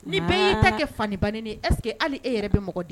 Ni bɛɛ y'i ta kɛ fa ni ba nɛni ye est ce que hali e yɛrɛ bɛ mɔgɔ di